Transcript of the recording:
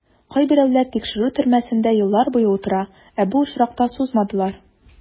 Кайберәүләр тикшерү төрмәсендә еллар буе утыра, ә бу очракта сузмадылар.